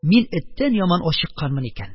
Мин эттән яман ачыкканмын икән.